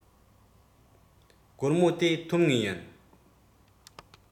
སྒོར མོ དེ ཐོབ ངེས ཡིན